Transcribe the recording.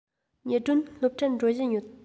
ཉི སྒྲོན སློབ གྲྭར འགྲོ བཞིན ཡོད